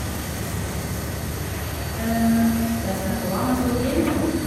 Det som er bra med Storlien, fom vm...